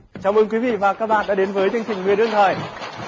chào mừng quý vị và các bạn đã đến với chương trình người đương thời